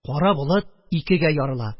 Кара болыт икегә ярыла.